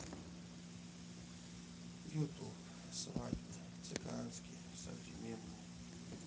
ютуб свадьбы цыганские современные